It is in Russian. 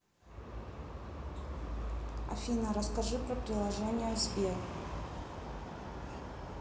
афина расскажи про приложение в сбер